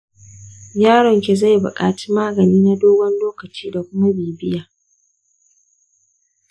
yaron ki zai buƙaci magani na dogon lokaci da kuma bibiya.